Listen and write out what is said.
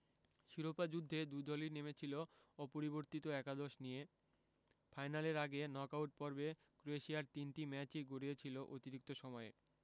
শিরোপা যুদ্ধে দু দলই নেমেছিল অপরিবর্তিত একাদশ নিয়ে ফাইনালের আগে নকআউট পর্বে ক্রোয়েশিয়ার তিনটি ম্যাচই গড়িয়েছিল অতিরিক্ত সময়ে